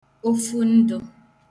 ofundụ̄